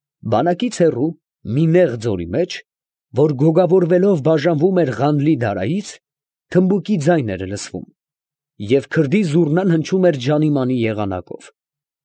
Բանակից հեռու, մի նեղ ձորի մեջ, որ գոգավորվելով բաժանվում էր Ղանլի֊Դարայից, թմբուկի ձայն էր լսվում, և քրդի զուռնան հնչում էր «ջանիմանի» եղանակով։